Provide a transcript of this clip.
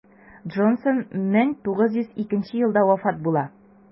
Джонсон 1902 елда вафат була.